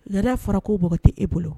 Laada fara k ko bɔ ka' e bolo